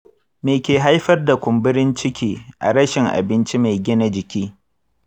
me ke haifar da kumburin ciki a rashin abinci mai gina jiki?